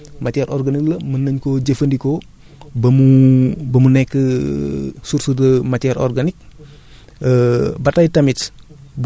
ak ge getax biy juge ci loolu noonu matière organique la mën nañ koo jëfandikoo ba mu ba mu nekk source de matière organique